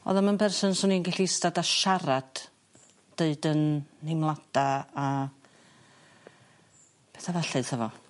o'dd o'm yn berson swn i'n gallu istad a siarad deud yn nheimlada a petha fally 'tho fo.